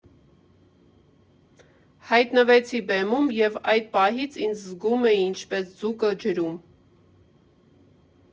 Հայտնվեցի բեմում և այդ պահից ինձ զգում էի ինչպես ձուկը ջրում։